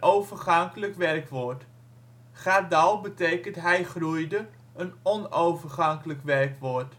overgankelijk werkwoord) gadal betekent " hij groeide " (onovergankelijk werkwoord)